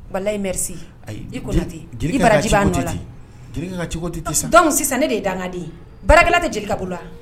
Wa layimeri i bara sisan ne de ye dangaden barakɛla tɛ jeli ka bolo wa